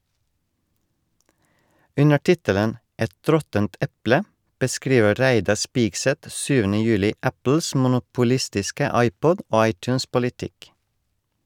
Under tittelen «Et råttent eple» beskriver Reidar Spigseth 7. juli Apples monopolistiske iPod- og iTunes-politikk.